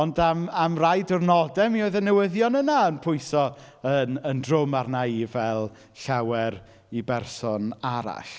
Ond am am rai diwrnodau mi oedd y newyddion yna yn pwyso yn yn drwm arna i fel llawer i berson arall.